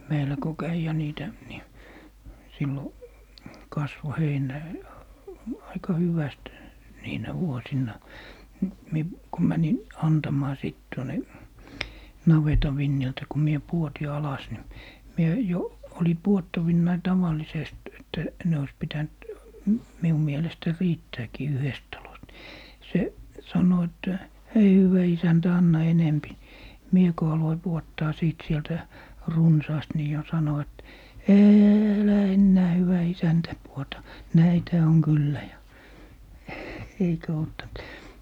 meillä kun kävi ja niitä niin silloin kasvoi heinä aika hyvästi niinä vuosina niin minä kun menin antamaan sitten tuonne navetan vintiltä kun minä pudotin alas niin minä jo oli pudottavinani tavallisesti että ne olisi pitänyt - minun mielestä riittääkin yhdestä talosta niin se sanoi että hei hyvä isäntä anna enempi niin minä kun aloin pudottaa sitten sieltä runsaasti niin jo sanoi että älä enää hyvä isäntä pudota näitähän on kyllä ja eikä ottanut